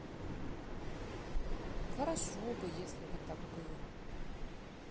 хорошо бы если бы так было